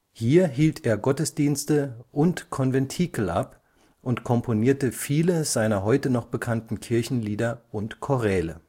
Hier hielt er Gottesdienste und Konventikel ab und komponierte viele seiner heute noch bekannten Kirchenlieder und Choräle